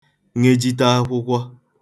ṅejite akwụkwọ